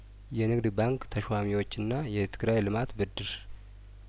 የንግድ ባንክ ተሿሚዎችና የትግራይ ልማት ብድር